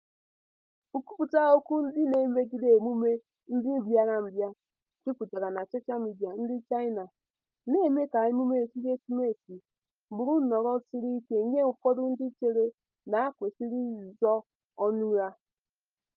Nkwupụta okwu ndị na-emegide emume ndị mbịarambịa jupụtara na soshal midịa ndị China, na-eme ka emume ekeresimesi bụrụ nhọrọ siri ike nye ụfọdụ ndị chere na ha kwesịrị izo ọṅụ ha.